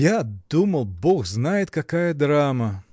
— Я думал, бог знает какая драма!